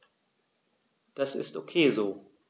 Das ist ok so.